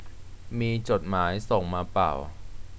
มีจดหมายส่งมาป่าว